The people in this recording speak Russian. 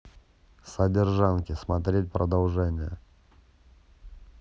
содержанки смотреть продолжение